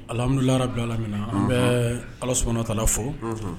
Ahamidulilarabu lammina na an bɛ ala sɔnna ka fɔ